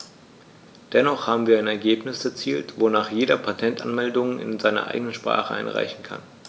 Dennoch haben wir ein Ergebnis erzielt, wonach jeder Patentanmeldungen in seiner eigenen Sprache einreichen kann.